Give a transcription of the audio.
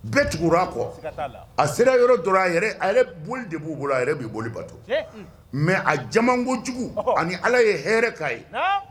Bɛɛ tugu kɔ a sera yɔrɔ dɔrɔn a a boli de b'u bolo a yɛrɛ b' boli bato mɛ a jakunjugu ani ala ye hɛrɛ' ye